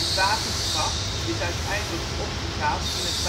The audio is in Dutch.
waterschap is uiteindelijk opgegaan in het